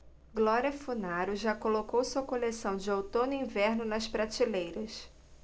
glória funaro já colocou sua coleção de outono-inverno nas prateleiras